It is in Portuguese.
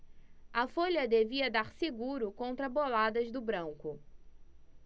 a folha devia dar seguro contra boladas do branco